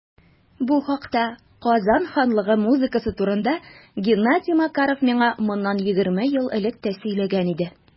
Бу хакта - Казан ханлыгы музыкасы турында - Геннадий Макаров миңа моннан 20 ел элек тә сөйләгән иде.